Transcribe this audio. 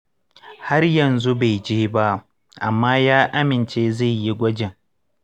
har yanzu bai je ba, amma ya amince zai yi gwajin.